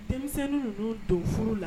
Denmisɛnnin ninnu don furu la